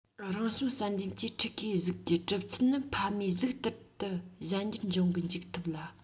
རང བྱུང བསལ འདེམས ཀྱིས ཕྲུ གུའི གཟུགས ཀྱི གྲུབ ཚུལ ནི ཕ མའི གཟུགས ལྟར ཏུ གཞན འགྱུར འབྱུང གི འཇུག ཐུབ ལ